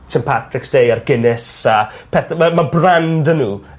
Saint Patrick's Day a'r Guinness a peth- ma' ma' brand 'da n'w.